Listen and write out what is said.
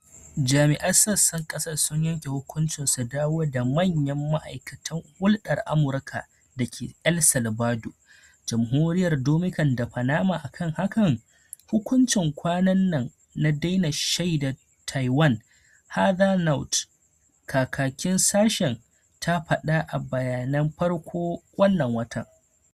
Jami’an Sassan Kasa sun yanke hukunci su dawo da manyan ma’aikatan hulɗar Amurka da ke El Salvador, Jamhuriyar Dominacan da Panama akan wannan “hukuncin kwanan nan na daina shaida Taiwan,” Heather Nauert, kakakin sashen, ta faɗa a bayani farkon wannan watan.